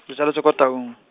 ke tsaletswe kwa Taung.